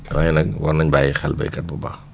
waaye nag war nañ bàyyi xel béykat bu baax